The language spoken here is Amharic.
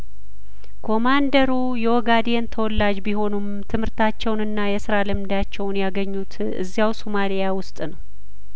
ኮማንደሩ የኦጋዴን ተወላጅ ቢሆኑም ትምህርታቸውንና የስራ ልምዳቸውን ያገኙት እዚያው ሱማሊያ ውስጥ ነው